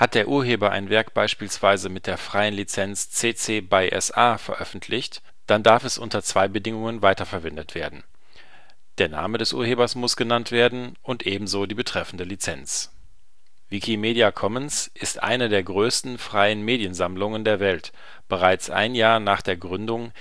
der Urheber ein Werk beispielsweise mit der freien Lizenz CC-BY-SA veröffentlicht, dann darf es unter zwei Bedingungen weiterverwendet werden: Der Name des Urhebers muss genannt werden und ebenso die betreffende Lizenz. Wikimedia Commons ist eine der größten freien Mediensammlungen der Welt; bereits ein Jahr nach der Gründung